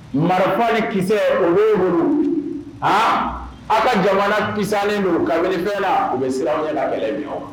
Marifa ni kisɛ u bɛ mun a aw ka jamana kisalen don u ka vfɛ la u bɛ siran wɛrɛ labɛn